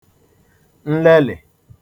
nlelị̀